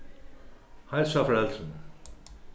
heilsa foreldrunum